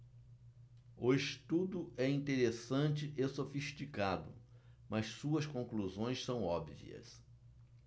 o estudo é interessante e sofisticado mas suas conclusões são óbvias